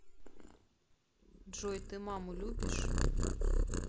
джой ты маму любишь